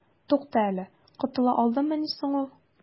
Туктале, котыла алдымыни соң ул?